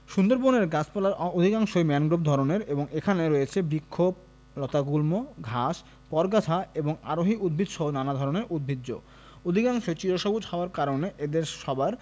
সুন্দরবনের গাছপালার অধিকাংশই ম্যানগ্রোভ ধরনের এবং এখানে রয়েছে বৃক্ষ লতাগুল্ম ঘাস পরগাছা এবং আরোহী উদ্ভিদসহ নানা ধরনের উদ্ভিজ্জ অধিকাংশই চিরসবুজ হওয়ার কারণে এদের সবার